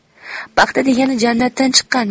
paxta degani jannatdan chiqqan